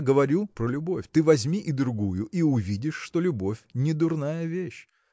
я говорю про любовь – ты возьми и другую и увидишь что любовь не дурная вещь.